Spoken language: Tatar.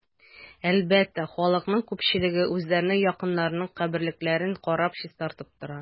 Әлбәттә, халыкның күпчелеге үзләренең якыннарының каберлекләрен карап, чистартып тора.